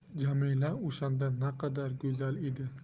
jamila o'shanda naqadar go'zal edi